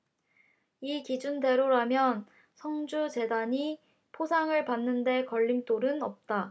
이 기준대로라면 성주재단이 포상을 받는 데 걸림돌은 없다